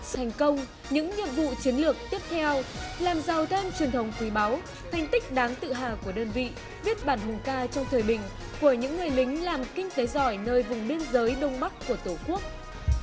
sự thành công những nhiệm vụ chiến lược tiếp theo làm giàu thêm truyền thống quý báu thành tích đáng tự hào của đơn vị vết bẩn mồ ca trong thời bình của những người lính làm kinh tế giỏi nơi vùng biên giới đông bắc của tổ quốc